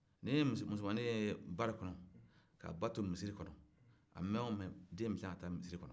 ni ye musomani ye bari kɔnɔ k'a ba to misiri kɔnɔ a mɛn o mɛn den in bɛ tila ka taa misir kɔnɔ